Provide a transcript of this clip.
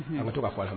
An bɛ to ka fɔ la